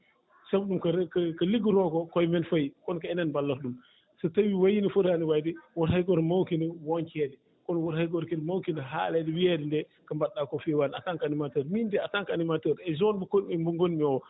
sabu ɗum ko ko liggotoo ko koye men fayi kono kadi ko enen mballata ɗum so tawii wayii no fotaani waade woto hay gooto mawnikino wonceede kono woto hay gooto kadi mawkino haa aɗa aña wiyeede nde ko mbaɗɗaa ko feewaani en tant que animateur miin de en tant que animateur zone mo kod mo ngonmi oo